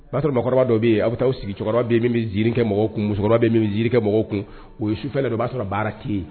B'a sɔrɔ musokɔrɔbakɔrɔba dɔ bɛ yen aw bɛ taa sigi bɛ min bɛ ziiri kɛ musokɔrɔba ziiri kɛ mɔgɔ kun o ye sufɛ o b'a sɔrɔ baara kelen ye